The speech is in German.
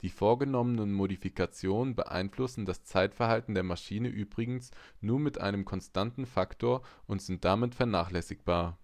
vorgenommenen Modifikationen beeinflussen das Zeitverhalten der Maschine übrigens nur um einen konstanten Faktor und sind damit vernachlässigbar